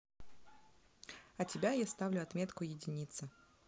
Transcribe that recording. а тебе я ставлю отметку единица